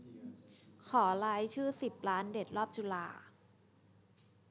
ขอรายชื่อสิบร้านเด็ดรอบจุฬา